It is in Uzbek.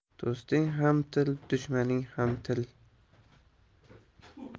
do'sting ham til dushmaning ham til